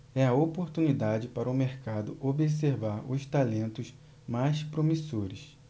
é a oportunidade para o mercado observar os talentos mais promissores